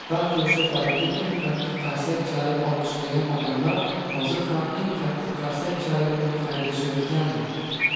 balki o'sha paytda eng qattiq qarsak chalib olqishlagan odamlar hozir ham eng qattiq qarsak chalib uni haydashayotgandir